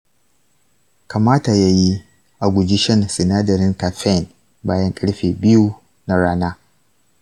kamata ya yi a guji shan sinadarin caffeine bayan ƙarfe biyu na rana.